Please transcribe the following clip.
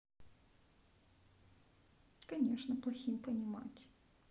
конечно плохим понимать